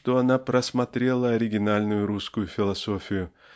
что она просмотрела оригинальную русскую философию